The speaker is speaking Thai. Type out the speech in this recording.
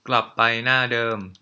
กลับไปหน้าเดิม